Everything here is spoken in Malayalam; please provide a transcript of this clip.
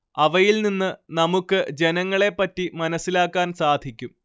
അവയിൽ നിന്ന് നമുക്ക് ജനങ്ങളെ പറ്റി മനസ്സിലാക്കാൻ സാധിക്കും